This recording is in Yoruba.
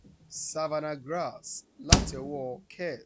1. "Savannah Grass" láti ọwọ́ọ Kes